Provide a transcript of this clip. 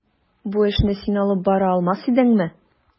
Бу эшне син алып бара алмас идеңме?